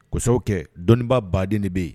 Kosɛbɛ kɛ dɔnnibaa baden de bɛ yen